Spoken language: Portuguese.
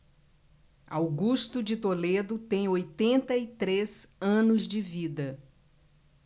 augusto de toledo tem oitenta e três anos de vida